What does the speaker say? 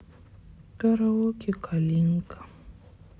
караоке калинка